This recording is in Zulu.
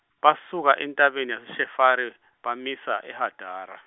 basuka entabeni yaseShefari, bamisa eHadara.